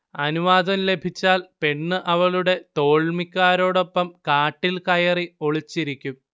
അനുവാദം ലഭിച്ചാൽ പെണ്ണ് അവളുടെ തോൾമിക്കാരോടൊപ്പം കാട്ടിൽകയറി ഒളിച്ചിരിക്കും